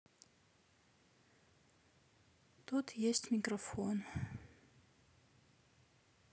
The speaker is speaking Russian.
тут есть микрофон